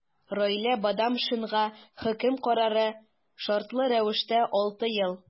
Раилә Бадамшинага хөкем карары – шартлы рәвештә 6 ел.